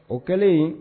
O kɛlen